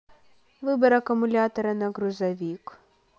выбор аккумулятора на грузовик